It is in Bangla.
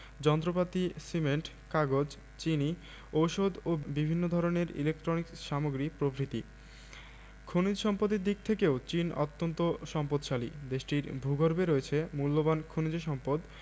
যন্ত্রপাতি সিমেন্ট কাগজ চিনি ঔষধ ও বিভিন্ন ধরনের ইলেকট্রনিক্স সামগ্রী প্রভ্রিতি খনিজ সম্পদের দিক থেকেও চীন অত্যান্ত সম্পদশালী দেশটির ভূগর্ভে রয়েছে মুল্যবান খনিজ সম্পদ